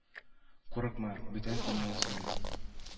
Курыкма бүтән тими ул сиңа